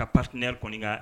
Ka pati neɛre kɔnikan